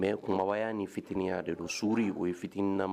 Minɛn kunbaya ni fitininya de don, suri o ye fitinin na